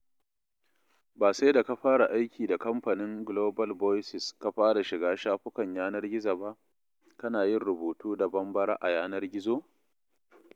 Q: Ba sai da ka fara aiki da Kamfanin Global Voices ka fara shiga shafukan yanar gizo ba, kana yin rubutu da Bambara a yanar gizo